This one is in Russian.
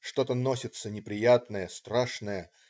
Что-то носится неприятное, страшное.